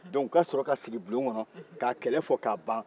dɔnku u ka sɔrɔ ka sigi bulon kɔnɔ k'a kɛlɛ fɔ ka ban